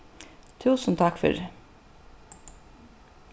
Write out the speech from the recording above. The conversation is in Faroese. túsund takk fyri